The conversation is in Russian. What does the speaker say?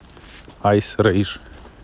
айс рэйж